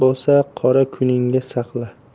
bo'lsa qora kuningga saqla